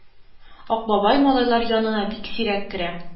Ак бабай малайлар янына бик сирәк керә.